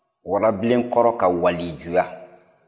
warabilenkɔrɔ ka walijuya